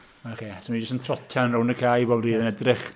Ocê, so dwi jyst yn trotian rownd y cae bob dydd yn edrych...